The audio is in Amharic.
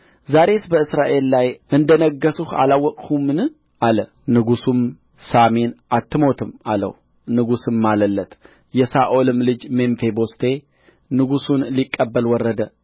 ዛሬስ በእስራኤል ላይ እንደ ነገሥሁ አላወቅሁምን አለ ንጉሡም ሳሚን አትሞትም አለው ንጉሡም ማለለት የሳኦልም ልጅ ሜምፊቦስቴ ንጉሡን ሊቀበል ወረደ